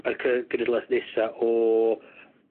yr cy- genhedlaeth nesa o